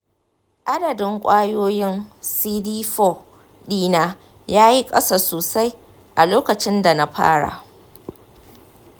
adadin ƙwayoyin cd4 ɗina ya yi ƙasa sosai a lokacin da na fara.